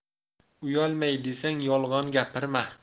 uyalmay desang yolg'on gapirma